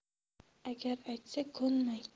agar aytsa ko'nmang